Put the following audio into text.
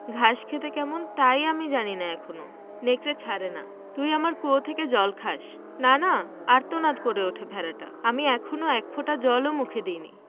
ঘাস খেতে কেমন তাই আমি জানি না এখনো নেকড়ে ছাড়ে না তুই আমার কুয়ো থেকে জল খাস না না আর্তনাদ করে ওঠে ভেড়াটা আমি এখনো এক ফোঁটা জল ও মুখে দিইনি